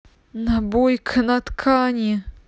набойка на ткани